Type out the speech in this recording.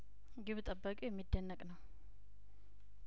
ግብ ጠባቂው የሚደነቅ ነው